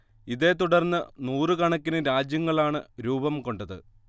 ഇതെത്തുടർന്ന് നൂറുകണക്കിന് രാജ്യങ്ങളാണ് രൂപം കൊണ്ടത്